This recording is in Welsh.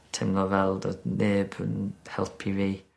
timlo fel do'dd neb yn helpu fi.